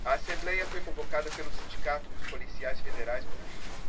a assembléia foi convocada pelo sindicato dos policiais federais no rio